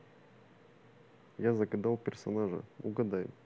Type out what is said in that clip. я загадал персонажа угадай